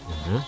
ahaa